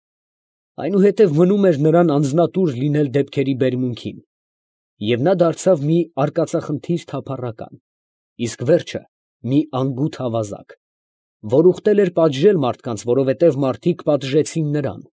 Այնուհետև մնում էր նրան անձնատուր լինել դեպքերի բերմունքին, և նա դարձավ մի արկածախնդիր թափառական, իսկ վերջը՝ մի անգութ ավազակ, որ ուխտել էր պատժել մարդկանց, որովհետև մարդիկ պատժեցին նրան։